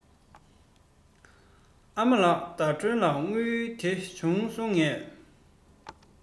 ཨ མ ལགས ཟླ སྒྲོན ལ དངུལ དེ བྱུང སོང ངས